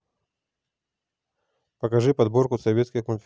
покажи подборку советских мультфильмов